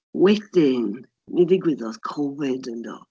Wedyn, mi ddigwyddodd Covid yndo.